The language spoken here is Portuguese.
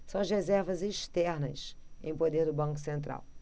são as reservas externas em poder do banco central